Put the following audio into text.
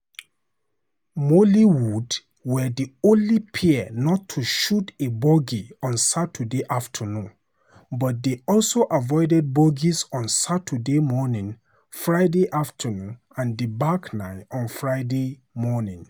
"Moliwood" were the only pair not to shoot a bogey on Saturday afternoon, but they also avoided bogeys on Saturday morning, Friday afternoon and the back nine on Friday morning.